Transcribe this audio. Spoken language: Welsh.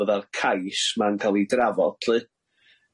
fyddai'r cais ma'n ca'l i drafod lly,